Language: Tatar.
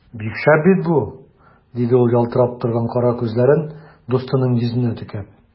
Бик шәп бит бу! - диде ул, ялтырап торган кара күзләрен дустының йөзенә текәп.